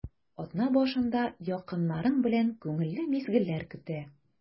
Атна башында якыннарың белән күңелле мизгелләр көтә.